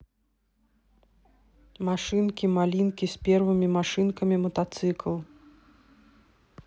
машинки малинки с первыми машинками мотоцикл